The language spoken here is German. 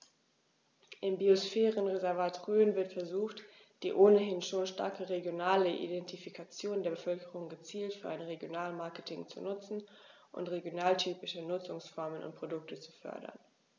Im Biosphärenreservat Rhön wird versucht, die ohnehin schon starke regionale Identifikation der Bevölkerung gezielt für ein Regionalmarketing zu nutzen und regionaltypische Nutzungsformen und Produkte zu fördern.